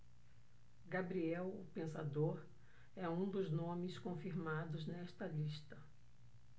gabriel o pensador é um dos nomes confirmados nesta lista